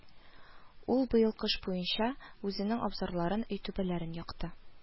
Ул быел кыш буенча үзенең абзарларын, өй түбәләрен якты